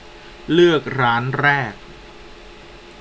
เลือกร้านแรก